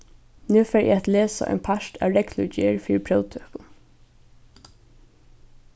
nú fari eg at lesa ein part av reglugerð fyri próvtøkum